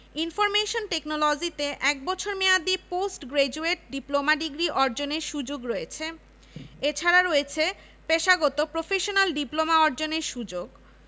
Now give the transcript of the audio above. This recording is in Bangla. বিজ্ঞান ক্লাব ভ্রমণকারীদের club rover scout club BNCC প্রভৃতি